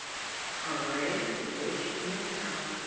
авария дочь мента